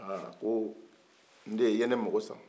a a ko den i ye ne mako sa